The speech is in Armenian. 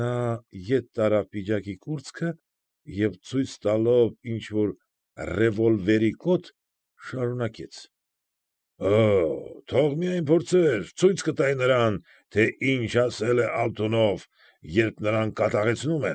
Նա ետ արավ պիջակի կուրծքը և, ցույց տալով ինչ֊որ ռևոլվերի կոթ, շարունակեց. ֊ Օօ՜, թող միայն փորձեր, ցույց կտայի նրան, թե ինչ ասել է Ալթունով, երբ նրան կատաղեցնում։